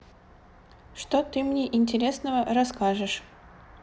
что ты мне интересного расскажешь